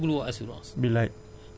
boo sañoon doo woo assurance